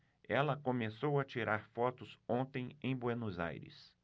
ela começou a tirar fotos ontem em buenos aires